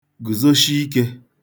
gùzoshi ikē